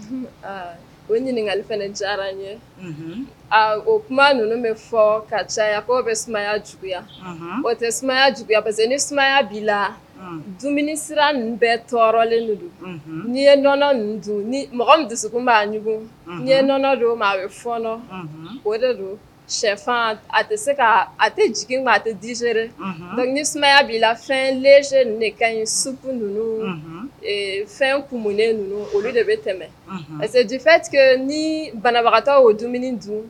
O o ka caya juguya ni siran bɛ tɔɔrɔlen ni ni mɔgɔ min b'aɔnɔ don maa bɛ fɔɔnɔ o de don shɛfan a tɛ se a tɛ jigin a tɛ dise ni sumayaya b'i la fɛn de ka ɲi su ninnu fɛn kunen olu de bɛ tɛmɛ parcesekejife tigɛ ni banabagatɔ o dumuni dun